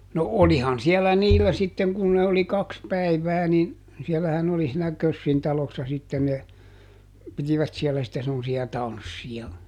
no olihan siellä niillä sitten kun ne oli kaksi päivää niin siellähän oli siinä Kössin talossa sitten ne pitivät siellä sitten semmoisia tansseja